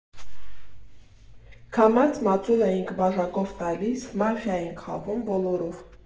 Քամած մածուն էինք բաժակով տալիս, մաֆիա էինք խաղում բոլորով։